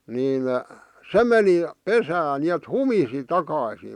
niin se meni pesään niin että humisi takaisin